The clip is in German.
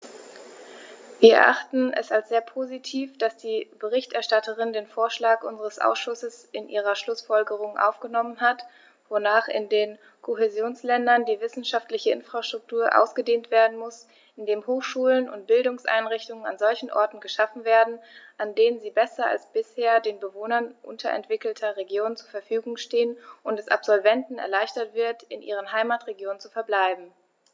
Wir erachten es als sehr positiv, dass die Berichterstatterin den Vorschlag unseres Ausschusses in ihre Schlußfolgerungen aufgenommen hat, wonach in den Kohäsionsländern die wissenschaftliche Infrastruktur ausgedehnt werden muss, indem Hochschulen und Bildungseinrichtungen an solchen Orten geschaffen werden, an denen sie besser als bisher den Bewohnern unterentwickelter Regionen zur Verfügung stehen, und es Absolventen erleichtert wird, in ihren Heimatregionen zu verbleiben.